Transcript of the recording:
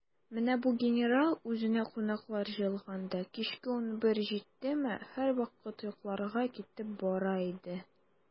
Менә бу генерал, үзенә кунаклар җыелганда, кичке унбер җиттеме, һәрвакыт йокларга китеп бара иде.